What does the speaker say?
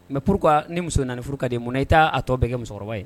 Mɛ pur ni muso nana furu ka de mun i t'a tɔ bɛɛ kɛ musokɔrɔba ye